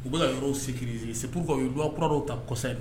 U bɛ yɔrɔ sigiriz seguu kawa kuraraw ta kɔ